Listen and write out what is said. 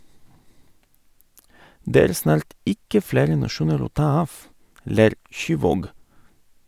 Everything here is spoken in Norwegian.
- Det er snart ikke flere nasjoner å ta av, ler Kyvåg.